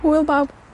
Hwyl bawb!